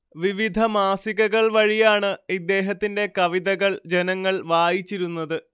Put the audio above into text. വിവിധ മാസികകൾ വഴിയാണ് ഇദ്ദേഹത്തിന്റെ കവിതകൾ ജനങ്ങൾ വായിച്ചിരുന്നത്